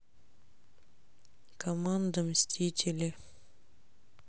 команда мстители